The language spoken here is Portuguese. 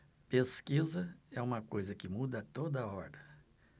pesquisa é uma coisa que muda a toda hora